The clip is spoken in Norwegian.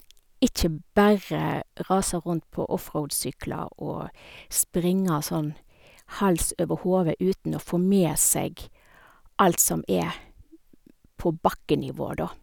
Ikke bare rase rundt på offroad-sykler og springe sånn hals over hode uten å få med seg alt som er på bakkenivå, da.